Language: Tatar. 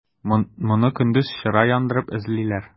Моны көндез чыра яндырып эзлиләр.